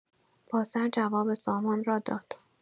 با سر جواب سامان را داد.